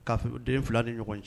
Kafe den fila ni ɲɔgɔn cɛ